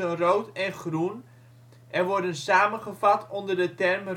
rood en groen en worden samengevat onder de term